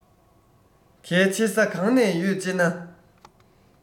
གལ ཆེ ས གང ན ཡོད ཅེ ན